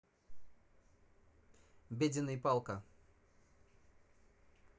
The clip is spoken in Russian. беденный палка